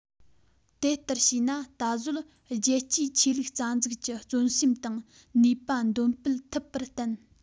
དེ ལྟར བྱས ན ད གཟོད རྒྱལ གཅེས ཆོས ལུགས རྩ འཛུགས ཀྱི བརྩོན སེམས དང ནུས པ འདོན སྤེལ ཐུབ པར བརྟེན